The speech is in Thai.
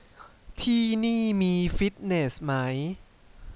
ที่นี่มีฟิตเนสไหม